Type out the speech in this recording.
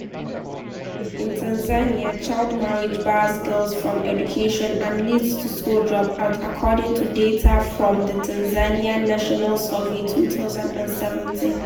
In Tanzania, child marriage bars girls from education and leads to school dropout, according to data from the Tanzania National Survey, 2017).